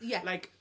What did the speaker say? Ie... Like,